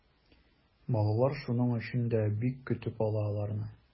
Балалар шуның өчен дә бик көтеп ала аларны.